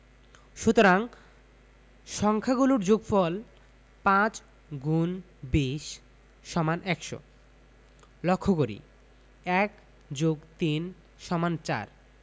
সুতরাং সংখ্যা গুলোর যোগফল ৫*২০=১০০ লক্ষ করি ১+৩=৪